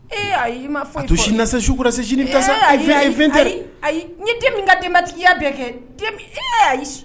Ee ayi ma to na susi ayi ye ayi n denmi ka den tigiya bɛɛ kɛ